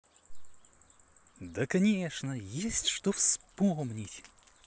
да конечно есть что вспомнить